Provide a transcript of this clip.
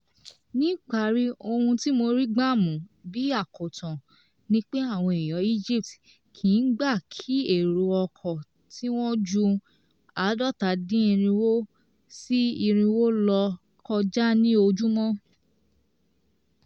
Ní ìparí, ohun tí mo rí gbámú bí àkótán ni pé àwọn èèyàn Egypt kìí gba kí èrò ọkọ̀ tí wọ́n ju 350-400 lọ kọjá ní ojúmọ́.